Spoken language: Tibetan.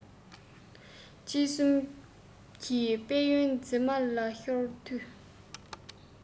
དཔྱིད གསུམ གྱི དཔལ ཡོན འཛིན མ ལ ཤར དུས